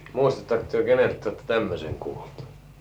muistatteko te keneltä te olette tämmöisen kuullut